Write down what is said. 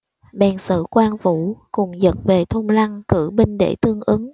bèn sử quang vũ cùng dật về thung lăng cử binh để tương ứng